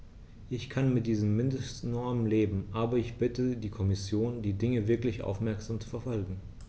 Ich kann mit diesen Mindestnormen leben, aber ich bitte die Kommission, die Dinge wirklich aufmerksam zu verfolgen.